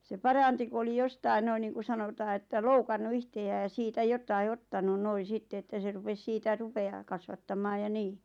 se paransi kun oli jostakin noin niin kuin sanotaan että loukannut itseään ja siitä jotakin ottanut noin sitten että se rupesi siitä rupeaa kasvattamaan ja niin